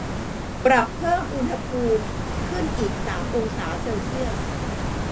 ปรับเพิ่มอุณหภูมิขึ้นอีกสามองศาเซลเซียส